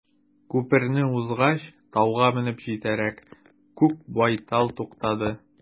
Күперне узгач, тауга менеп җитәрәк, күк байтал туктады.